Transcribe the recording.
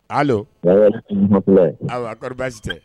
Allo salamalekum awa kori baasi tɛ